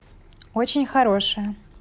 очень хорошая